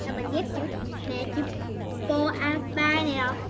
là mình ghép chữ nè chữ pô a pa nè